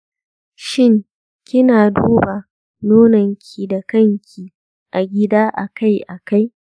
shin kina duba nononki da kanki a gida akai-akai?